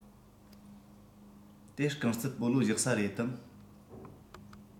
དེ རྐང རྩེད སྤོ ལོ རྒྱག ས རེད དམ